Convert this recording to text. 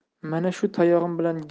mana shu tayog'im